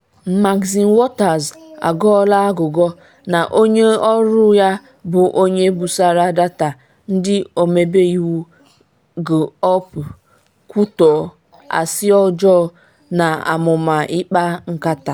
Maxine Waters agọla agụgọ na onye ọrụ ya bụ onye busara data ndị ọmebe iwu GOP, kwutọọ ‘asị ọjọọ’ na ‘amụma ịkpa nkata’